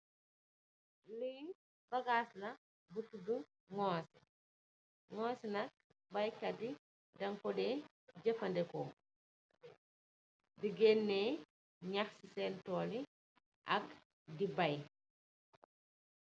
Li bagass la bu tudu ngosi, ngosi nak beii kat yi deng ko dey jofandiko, digeney nyah si sen toll yi ak di beii.